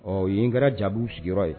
Ɔ yen kɛra jaabiw sigiyɔrɔ ye